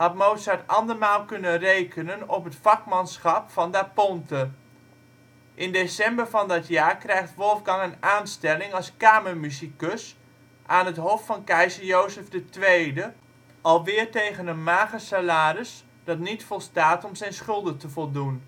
Mozart andermaal kunnen rekenen op het vakmanschap van Da Ponte. In december van dat jaar krijgt Wolfgang een aanstelling als kamermusicus aan het hof van keizer Jozef II, alweer tegen een mager salaris dat niet volstaat om zijn schulden te voldoen